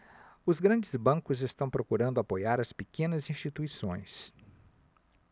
os grandes bancos estão procurando apoiar as pequenas instituições